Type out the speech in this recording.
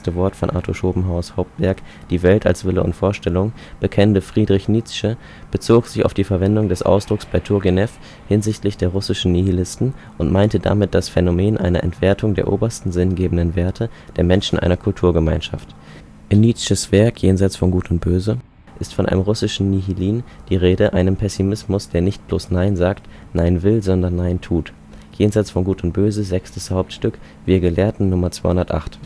Wort von Arthur Schopenhauers Hauptwerk Die Welt als Wille und Vorstellung) bekennende Friedrich Nietzsche bezog sich auf die Verwendung des Ausdrucks bei Turgenew hinsichtlich der „ russischen Nihilisten “und meinte damit das Phänomen einer Entwertung der obersten, sinngebenden Werte der Menschen einer Kulturgemeinschaft. In Nietzsches Werk Jenseits von Gut und Böse ist von einem „ Russischen Nihilin “die Rede, einem Pessimismus, „ der nicht bloß Nein sagt, Nein will, sondern […] Nein tut. “(Jenseits von Gut und Böse, Sechstes Hauptstück: Wir Gelehrten, Nr. 208